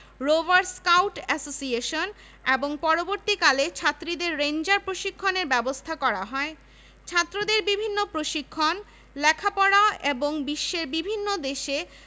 এসোসিয়েশনের কার্যালয় ছাড়াও এখানে রয়েছে একটি সেমিনার রুম ও একটি শরীরচর্চা কেন্দ্র শিক্ষিত যুবকদের চাকরির সংস্থানের জন্য